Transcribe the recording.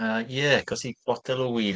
Yy, ie, ges i botel o win.